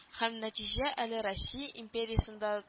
Һәм, нәтиҗә, әле россия империясендә